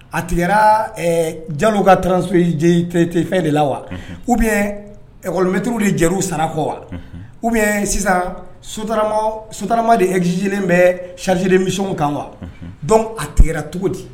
A tigɛra Jalo ka fɛn de la wa? unhun, ou bien école maître de jɛnna sara kɔ wa? unhun, ou bien sisan SOTRAMA de exigé len bɛ chargés de mission kan wa? unhun, donc a tigɛra cogo di